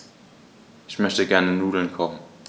Ich möchte gerne Nudeln kochen.